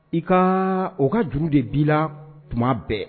I ka o ka juru de bila la tuma bɛɛ